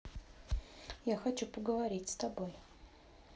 я хочу поговорить с тобой